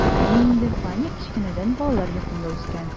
Ә инде ваня кечкенәдән балалар йортында үскән.